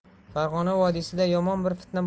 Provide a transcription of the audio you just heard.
farg'ona vodiysida yomon bir fitna